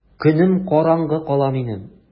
Көнем караңгы кала минем!